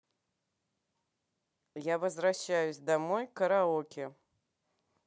я возвращаюсь домой караоке